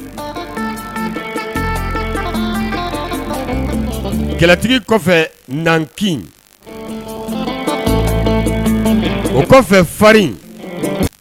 Kɛlɛtigi kɔfɛ na o kɔfɛ farin